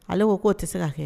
Ale ko k'o tɛ se ka kɛ